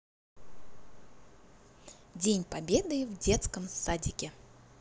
день победы в детском садике